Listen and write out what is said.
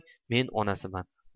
men onasiman